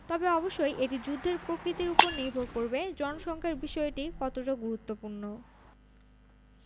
তবে অবশ্যই এটি যুদ্ধের প্রকৃতির ওপর নির্ভর করবে জনসংখ্যার বিষয়টি কতটা গুরুত্বপূর্ণ